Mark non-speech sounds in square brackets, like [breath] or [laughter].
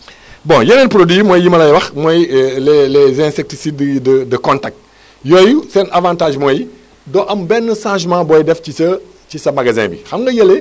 [breath] bon yeneen produits yi mooy yi ma lay wax mooy [hesitation] les les insecticides di de de contact [breath] yooyu seen avantage mooy doo am benn changement boo def ci sa ci sa magasin bi xam nga yële